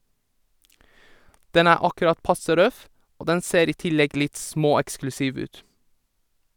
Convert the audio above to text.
Den er akkurat passe røff, og den ser i tillegg litt småeksklusiv ut.